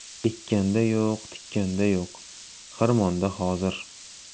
ekkanda yo'q tikkanda yo'q xirmonda hozir